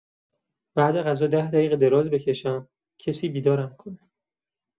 بعد غذا ده دقیقه دراز بکشم، کسی بیدارم کنه.